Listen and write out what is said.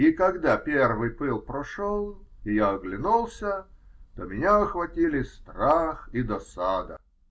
И когда первый пыл прошел, и я оглянулся, то меня охватили страх и досада.